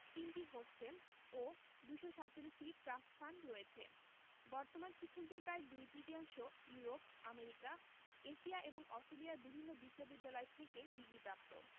৩টি হোস্টেল ও ২৪৭টি ট্রাস্ট ফান্ড রয়েছে বর্তমান শিক্ষকদের প্রায় দুই তৃতীয়াংশ ইউরোপ আমেরিকা এশিয়া এবং অস্ট্রেলিয়ার বিভিন্ন বিশ্ববিদ্যালয় থেকে ডিগ্রিপ্রাপ্ত